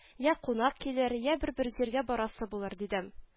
Йә кунак килер, йә бер-бер җиргә барасы булыр дидем